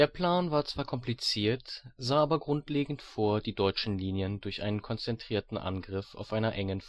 Plan war zwar kompliziert, sah aber grundlegend vor, die deutschen Linien durch einen konzentrierten Angriff auf einer engen